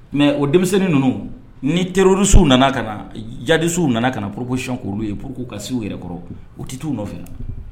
Mais o denmisɛnnin ninnu, ni terroristes nana ka na djihadistes nana ka na proposition kɛ olu ye pour que u ka se u yɛrɛ kɔrɔ, u tɛ t'u nɔfɛ